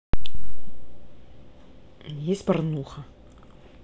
есть порнуха